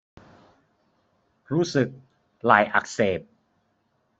รู้สึกไหล่อักเสบ